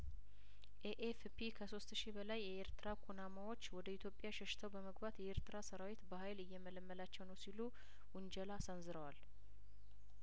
ኤኤፍፒ ከሶስት ሺ በላይ የኤርትራ ኩናማዎች ወደ ኢትዮጵያ ሸሽተው በመግባት የኤርትራ ሰራዊት በሀይል እየመለመላቸው ነው ሲሉ ውንጀላ ሰንዝረዋል